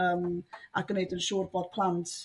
yym a g'neud yn siŵr bod plant